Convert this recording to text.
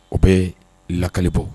O bɛ lakali bɔ